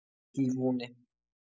دیونه.